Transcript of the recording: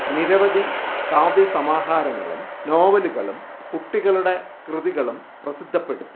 നിരവധി കാവ്യ സമാഹാരങ്ങളും നോവലുകളും കുട്ടികളുടെ കൃതികളും പ്രസിദ്ധപ്പെടുത്തി